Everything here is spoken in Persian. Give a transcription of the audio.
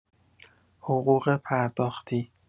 حقوق پرداختنی